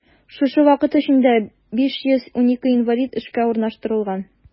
Шушы вакыт эчендә 512 инвалид эшкә урнаштырылган.